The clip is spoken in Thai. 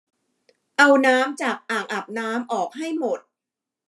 เอาน้ำจากอ่างอาบน้ำออกให้หมด